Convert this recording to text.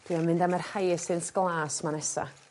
Dwi am mynd am yr Hyacinths glas 'ma nesa.